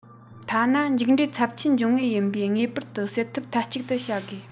ཐ ན མཇུག འབྲས ཚབས ཆེན འབྱུང ངེས ཡིན པས ངེས པར དུ སེལ ཐབས མཐའ གཅིག ཏུ བྱ དགོས